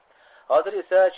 hozir esa